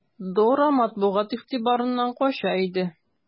Дора матбугат игътибарыннан кача иде.